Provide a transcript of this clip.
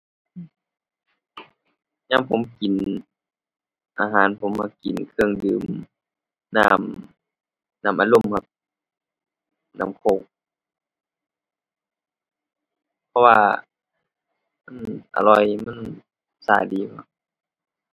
ยามผมกินอาหารผมก็กินเครื่องดื่ม น้ำ น้ำอัดลมครับ น้ำ Coke เพราะว่ามันอร่อย มันซ่าดี